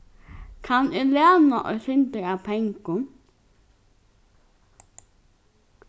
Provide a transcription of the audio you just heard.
kann eg læna eitt sindur av pengum